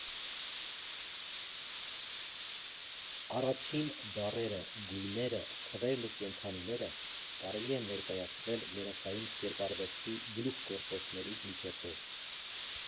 Առաջին բառերը, գույները, թվերն ու կենդանիները կարելի է ներկայացնել երեխային կերպարվեստի գլուխգործոցների միջոցով։